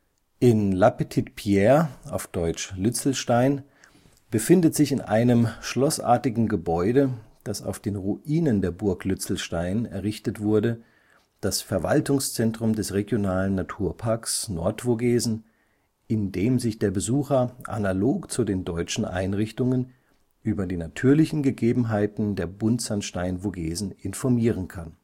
In La Petite-Pierre (dt. Lützelstein) befindet sich in einem schlossartigen Gebäude, das auf den Ruinen der Burg Lützelstein errichtet wurde, das Verwaltungszentrum des regionalen Naturparks Nordvogesen (franz. Parc naturel régional des Vosges du Nord), in dem sich der Besucher analog zu den deutschen Einrichtungen über die natürlichen Gegebenheiten der Buntsandsteinvogesen informieren kann